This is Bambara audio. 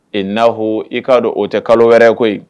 I n'a ko e k'a don o tɛ kalo wɛrɛ ye koyi